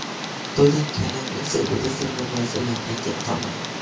tôi tin khả năng ứng xử của thí sinh năm nay sẽ làm khán giả thỏa mãn